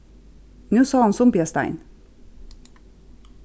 nú sá hon sumbiarstein